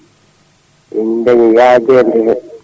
e yimɓe daña yaajede he